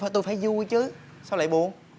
thôi tôi phải vui chứ sao lại buồn